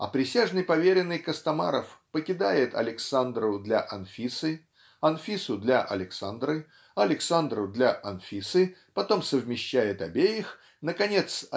а присяжный поверенный Костомаров покидает Александру для Анфисы Анфису для Александры Александру для Анфисы потом совмещает обеих наконец